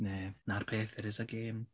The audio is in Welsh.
Na 'na'r peth it is a game.